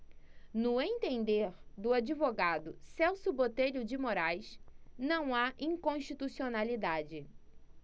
no entender do advogado celso botelho de moraes não há inconstitucionalidade